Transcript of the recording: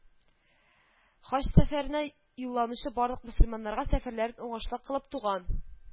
Хаҗсәфәренә юлланучы барлык мөселманнарга сәфәрләрен уңышлы кылып, туган